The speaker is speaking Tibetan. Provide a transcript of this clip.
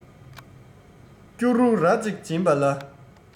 སྐྱུ རུ ར གཅིག བྱིན པ ལ